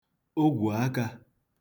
ogwò akā